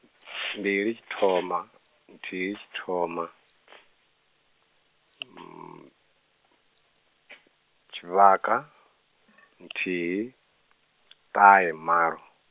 mbili tshithoma, nthihi tshithoma, tshivhaka , nthihi, ṱahe, malo.